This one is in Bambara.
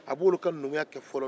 a bɛ olu ka numuya kɛ fɔlɔ